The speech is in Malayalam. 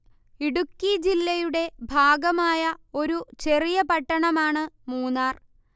ഇടുക്കി ജില്ലയുടെ ഭാഗമായ ഒരു ചെറിയ പട്ടണമാണ് മൂന്നാർ